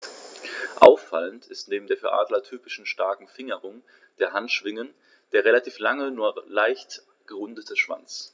Auffallend ist neben der für Adler typischen starken Fingerung der Handschwingen der relativ lange, nur leicht gerundete Schwanz.